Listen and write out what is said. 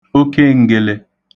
oken̄gēlē